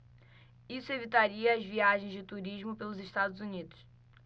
isso evitaria as viagens de turismo pelos estados unidos